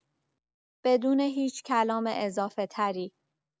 بدون هیچ کلام اضافه‌تری